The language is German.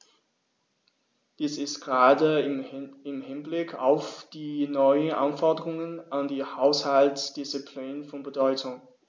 Dies ist gerade im Hinblick auf die neuen Anforderungen an die Haushaltsdisziplin von Bedeutung.